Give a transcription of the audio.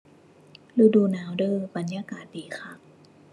ฤดูหนาวเด้อ บรรยากาศดีคัก